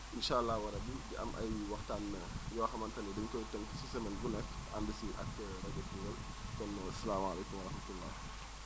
incha allahu rabi di am ay waxtaan yoo xamante ne dañu koy tënk si semaine bu nekk ànd si ak rajo Koungheul kon salaamaaleykum wa rahmatulah